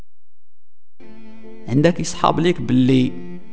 عندك صحاب لك باللي